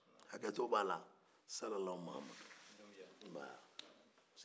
salalaw mahamadu